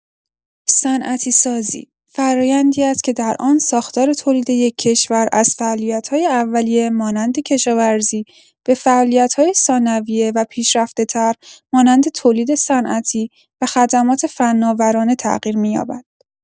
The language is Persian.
صنعتی‌سازی، فرآیندی است که در آن ساختار تولید یک کشور از فعالیت‌های اولیه مانند کشاورزی به فعالیت‌های ثانویه و پیشرفته‌تر مانند تولید صنعتی و خدمات فناورانه تغییر می‌یابد.